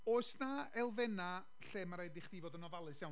Oes 'na elfennau lle ma' raid i chdi fod yn ofalus iawn,